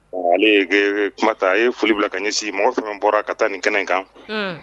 Ale kumata a ye foli bila ka ɲɛ si mɔgɔ fɛn bɔra ka taa nin kɛnɛ kan